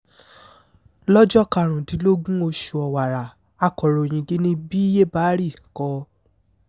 Lọ́jọ́ 15 oṣù Ọ̀wàrà, akọ̀ròyin Guinea Bhiye Bary kọ: